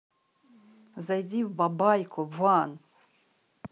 зайди в бабайку ван